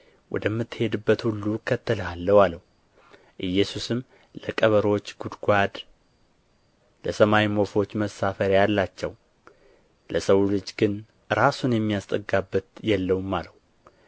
ወደ ምትሄድበት ሁሉ እከተልሃለሁ አለው ኢየሱስም ለቀበሮዎች ጕድጓድ ለሰማይም ወፎች መሳፈሪያ አላቸው ለሰው ልጅ ግን ራሱን የሚያስጠጋበት የለውም አለው